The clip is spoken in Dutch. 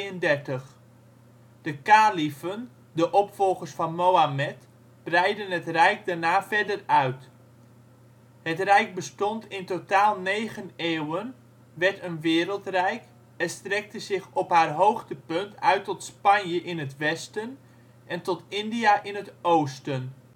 De kaliefen, de opvolgers van Mohammed, breidden het rijk daarna verder uit. Het rijk bestond in totaal negen eeuwen, werd een wereldrijk en strekte zich op haar hoogtepunt uit tot Spanje in het westen en tot India in het oosten